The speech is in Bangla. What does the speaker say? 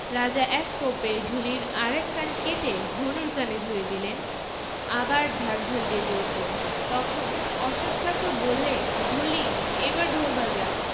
রাজা এক কোপে ঢুলির আর এক কান কেটে হনুর কানে জুড়ে দিলেন আবার ঢাক ঢোল বেজে উঠল তখন অশ্বথ ঠাকুর বললে ঢুলি এইবার ঢোল বাজা